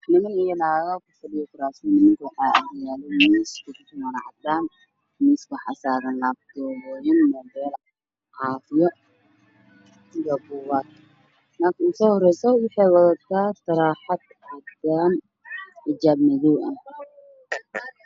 Waa niman iyo naago meel fadhiyaan xaflad kuraas ayey ku fadhiyaan naagta usaareyso waxay qabtaa taracad caddaan computer ay hayaan